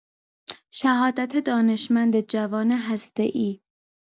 شهادت دانشمند جوان هسته‌ای